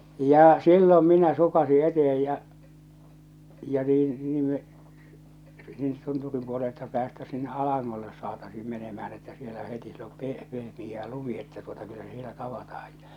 jaa silloin minä sukaisin eteen ja ja niin niin me tunturin puolelta päästäisiin sinne alangolle saataisiin menemään että siellä heti siellä on - pehmeää lumi että tuota kyllä se siellä tavataan ja